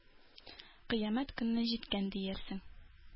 Кыямәт көне җиткән диярсең.